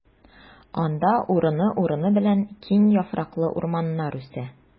Анда урыны-урыны белән киң яфраклы урманнар үсә.